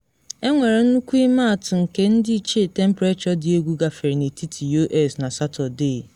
Enwere nnukwu ịmaatụ nke ndịiche temprechọ dị egwu gafere n’etiti U.S. na Satọde.